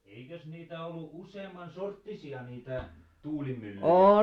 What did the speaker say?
eikös niitä ollut useamman sorttisia niitä tuulimyllyjä